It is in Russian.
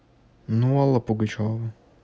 ну алла пугачева